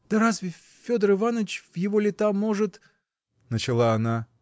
-- Да разве Федор Иванович, в его лета, может. -- начала она.